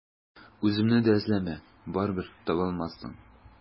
Үземне дә эзләмә, барыбер таба алмассың.